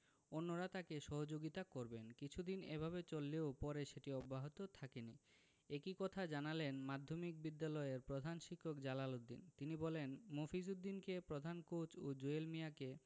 অন্যরা তাঁকে সহযোগিতা করবেন কিছুদিন এভাবে চললেও পরে সেটি অব্যাহত থাকেনি একই কথা জানালেন মাধ্যমিক বিদ্যালয়ের প্রধান শিক্ষক জালাল উদ্দিন তিনি বলেন মফিজ উদ্দিনকে প্রধান কোচ ও জুয়েল মিয়াকে